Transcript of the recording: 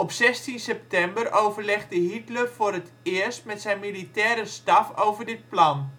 september overlegde Hitler voor het eerst met zijn militaire staf over dit plan